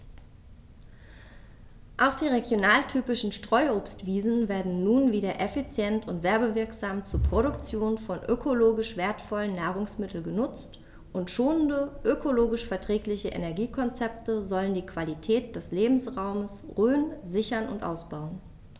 Auch die regionaltypischen Streuobstwiesen werden nun wieder effizient und werbewirksam zur Produktion von ökologisch wertvollen Nahrungsmitteln genutzt, und schonende, ökologisch verträgliche Energiekonzepte sollen die Qualität des Lebensraumes Rhön sichern und ausbauen.